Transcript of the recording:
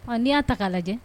Ɔ n' y'a taga lajɛ